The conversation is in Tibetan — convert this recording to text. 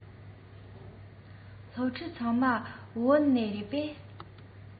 སློབ ཕྲུག ཚང མ བོད ནས རེད པས